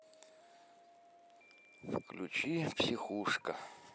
включи психушка